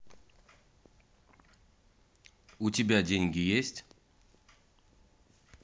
у тебя деньги есть